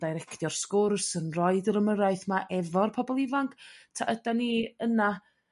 dairectio'r sgwrs yn roid yr ymyrraeth 'ma efo'r pobol ifanc 'ta' ydan ni yna